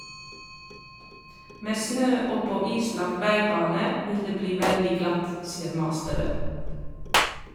Med snø oppå islagt veibane vil det bli veldig glatt, sier Masterød.